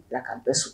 La ka bɛɛ su